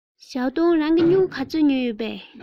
ཞའོ ཏུང རང གིས ཞྭ སྨྱུག ག ཚོད ཉོས ཡོད པས